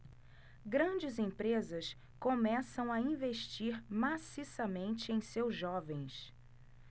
grandes empresas começam a investir maciçamente em seus jovens